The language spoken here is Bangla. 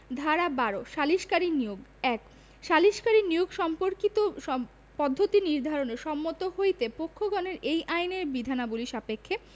ধারা ১২ সালিসকারী নিয়োগঃ ১ সালিসকারী নিয়োগ সম্পর্কিত পদ্ধতি নির্ধারণে সম্মত হইতে পক্ষগণের এই আইনের বিধানবলী সাপেক্ষে